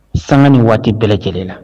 Saŋa ni waati bɛɛ lajɛlen la